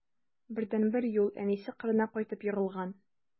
Бердәнбер юл: әнисе кырына кайтып егылган.